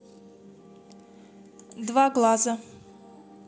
два глаза